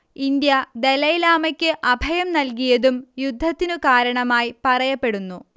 India ദലൈലാമക്ക് അഭയം നൽകിയതും യുദ്ധത്തിന് കാരണമായി പറയപ്പെടുന്നു